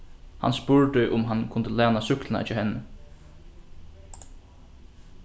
hann spurdi um hann kundi læna súkkluna hjá henni